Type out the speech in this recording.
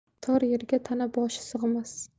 tor yerga tana boshi sig'mas